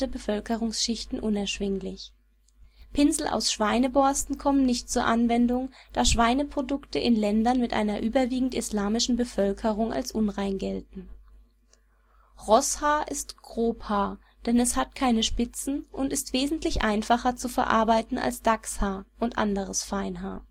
Bevölkerungsschichten unerschwinglich. Pinsel aus Schweineborsten kommen nicht zur Anwendung, weil Schweineprodukte in Ländern mit einer überwiegend islamischen Bevölkerung als unrein gelten. Rosshaar ist „ Grobhaar “, denn es hat keine Spitzen und ist wesentlich einfacher zu verarbeiten als Dachshaar und anderes Feinhaar